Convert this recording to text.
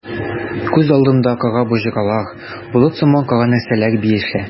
Күз алдымда кара боҗралар, болыт сыман кара нәрсәләр биешә.